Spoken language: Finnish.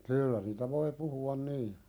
kyllä niitä voi puhua niin